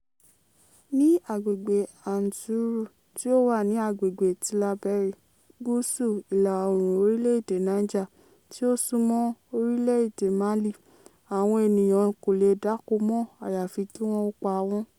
Ní agbègbè Anzourou, tí ó wà ní agbègbè Tillaberi [gúúsù - ìlà oòrùn orílẹ̀ èdè Niger, tí ó súnmọ́ orílẹ̀ èdè Mali], àwọn ènìyàn kò lè dáko mọ́ àyàfi kí wọ́n ó pa wọ́n.